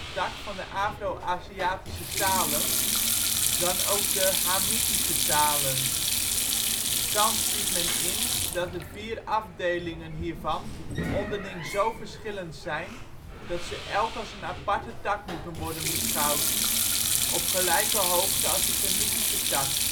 Afro-Aziatische talen dan ook de Hamitische talen. Thans ziet men in dat de vier afdelingen hiervan onderling zo verschillend zijn dat ze elk als een aparte tak moeten worden beschouwd, op gelijke hoogte als de Semitische tak